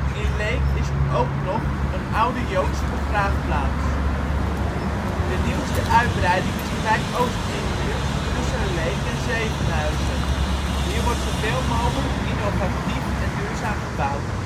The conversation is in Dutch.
In Leek is ook nog een oude joodse begraafplaats. De nieuwste uitbreiding is de wijk Oostindie, tussen Leek en Zevenhuizen. Hier wordt zoveel mogelijk innovatief en duurzaam gebouwd